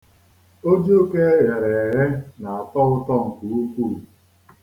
Ojoko e ghere eghe na-atọ ụtọ nke ukwuu.